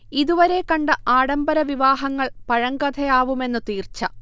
ഇതുവരെ കണ്ട ആഢംബര വിവാഹങ്ങൾ പഴങ്കഥയാവുമെന്നു തീർച്ച